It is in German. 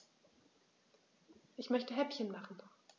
Ich möchte Häppchen machen.